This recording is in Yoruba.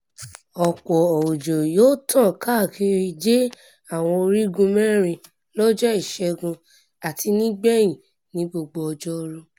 Ọ̀pọ̀ òjò yóò tàn káàkiri dé Àwọn Orígun Mẹ́rin lọ́jọ́ Ìṣẹ́gun àti nígbẹ̀yìn ni gbogbo ọjọ 'Ru.